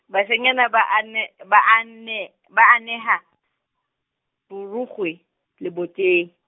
bashanyana ba ane ba ane, ba aneha borukgwe le boteng.